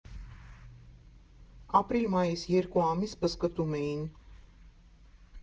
Ապրիլ֊մայիս՝ երկու ամիս բզկտում էին.